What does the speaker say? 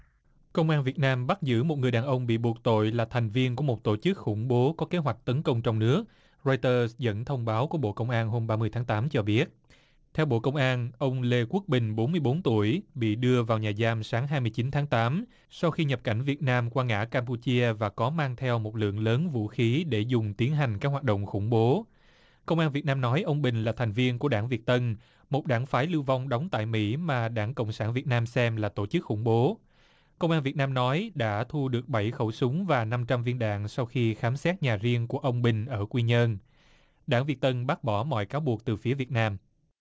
công an việt nam bắt giữ một người đàn ông bị buộc tội là thành viên của một tổ chức khủng bố có kế hoạch tấn công trong nước rai tơ dẫn thông báo của bộ công an hôm ba mươi tháng tám cho biết theo bộ công an ông lê quốc bình bốn mươi bốn tuổi bị đưa vào nhà giam sáng hai mươi chín tháng tám sau khi nhập cảnh việt nam qua ngã cam pu chia và có mang theo một lượng lớn vũ khí để dùng tiến hành các hoạt động khủng bố công an việt nam nói ông bình là thành viên của đảng việt tân một đảng phái lưu vong đóng tại mỹ mà đảng cộng sản việt nam xem là tổ chức khủng bố công an việt nam nói đã thu được bảy khẩu súng và năm trăm viên đạn sau khi khám xét nhà riêng của ông bình ở quy nhơn đảng việt tân bác bỏ mọi cáo buộc từ phía việt nam